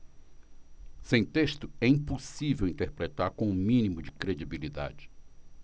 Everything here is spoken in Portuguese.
sem texto é impossível interpretar com o mínimo de credibilidade